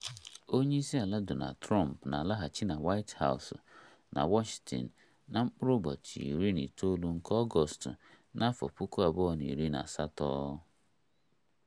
Onyeisiala Donald Trump na-alaghachi na White House na Washington na Ọgọstụ 19, 2018.